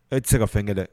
E tɛ se ka fɛn kɛ dɛ